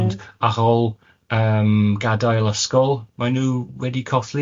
Ond ar ôl yym gadael ysgol, maen nhw wedi colli